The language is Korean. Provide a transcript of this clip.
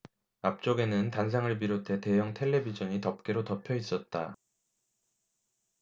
앞쪽에는 단상을 비롯해 대형 텔레비전이 덮개로 덮여있었다